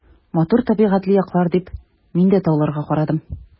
Матур табигатьле яклар, — дип мин дә тауларга карадым.